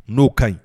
N'o ka ɲi.